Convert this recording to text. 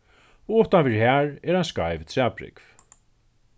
og uttan fyri har er ein skeiv træbrúgv